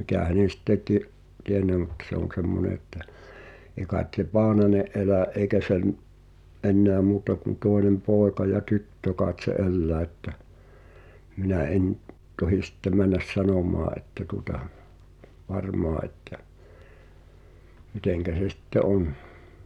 mikä hänen sitten - tiennyt mitä se on semmoinen että ei kai se Paananen elä eikä sen enää muuta kuin toinen poika ja tyttö kai se elää että minä en tohdi sitten mennä sanomaan että tuota varmaan että miten se sitten on